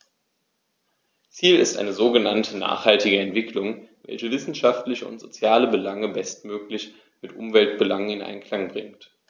Ziel ist eine sogenannte nachhaltige Entwicklung, welche wirtschaftliche und soziale Belange bestmöglich mit Umweltbelangen in Einklang bringt.